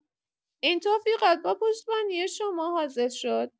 این توفیقات با پشتیبانی شما حاصل شد.